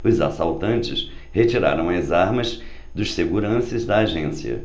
os assaltantes retiraram as armas dos seguranças da agência